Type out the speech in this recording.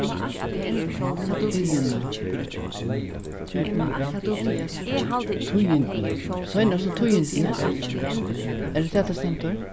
tíðina t í ð i tíðindini seinastu tíðindini er tað tað tað stendur